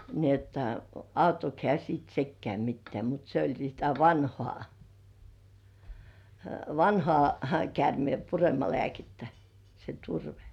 niin että auttoiko hän sitten sekään mitään mutta se oli sitä vanhaa vanhaa käärmeenpuremalääkettä se turve